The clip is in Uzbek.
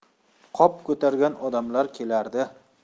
qop ko'targan odamlar kelardi